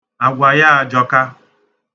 Agwa ya ajọka.